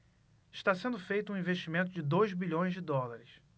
está sendo feito um investimento de dois bilhões de dólares